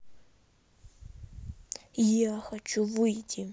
я хочу выйти